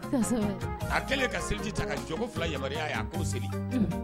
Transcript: A kɛlen ka siriji ta ka jɔn fila yamaruya' a k'o siri